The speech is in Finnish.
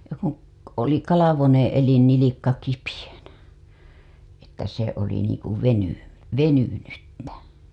kun - oli kalvonen elin nilkka kipeänä että se oli niin kuin - venynyttä